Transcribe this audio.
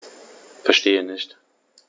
Verstehe nicht.